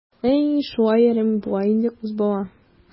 Әй, шулай әрәм була инде кыз бала.